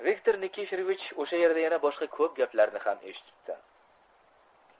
viktor nikiforovich o'sha yerda yana boshqa ko'p gaplarni ham eshitibdi